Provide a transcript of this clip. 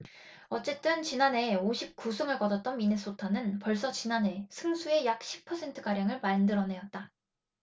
어쨌든 지난해 오십 구 승를 거뒀던 미네소타는 벌써 지난해 승수의 약 십 퍼센트가량을 만들어냈다